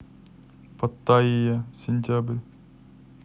паттайя сентябрь